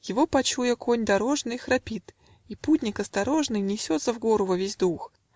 Его почуя, конь дорожный Храпит - и путник осторожный Несется в гору во весь дух